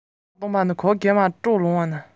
ཐོས ན སྙིང ཁ འདར བའི རྒྱུ རུ ཟད